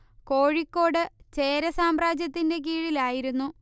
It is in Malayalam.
കോഴിക്കോട് ചേര സാമ്രാജ്യത്തിന്റെ കീഴിലായിരുന്നു